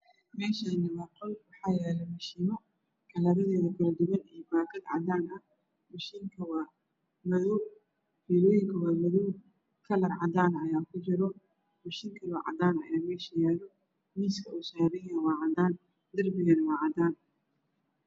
Meshaani waa qol waxa yalo mashiino kalaradoda kala duwan iyo baakad cadaan ah mashiinka waa madow filoyinka waa madow kalar cadan aya ku jiro mishiin kale o cadana aya mesha yalo miska u saran yahy waa cadan darbigana waa cadaan